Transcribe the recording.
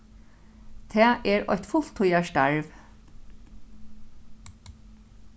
tað er eitt fulltíðar starv